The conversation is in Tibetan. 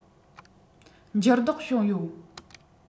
འགྱུར ལྡོག བྱུང ཡོད